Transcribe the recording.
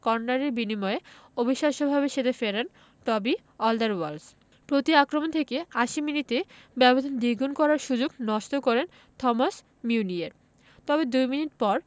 কর্নারের বিনিময়ে অবিশ্বাস্যভাবে সেটা ফেরান টবি অলডারওয়ার্ল্ড প্রতি আক্রমণ থেকে ৮০ মিনিটে ব্যবধান দ্বিগুণ করার সুযোগ নষ্ট করেন থমাস মিউনিয়ের তবে দুই মিনিট পর